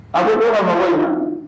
A bɛɛ bɔra mɔgɔ in na